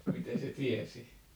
mitä se tiesi